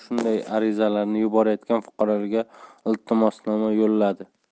shunday arizalarni yuborayotgan fuqarolarga iltimosnoma yo'lladi